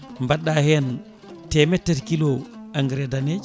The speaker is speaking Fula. mbaɗɗa hen temettati kilos engrais danejo